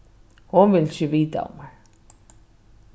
hon vil ikki vita av mær